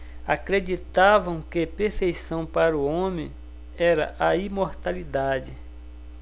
acreditavam que perfeição para o homem era a imortalidade